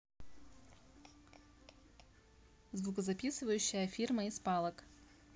звукозаписывающая фирма из палок